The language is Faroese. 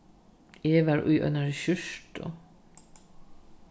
eg var í einari skjúrtu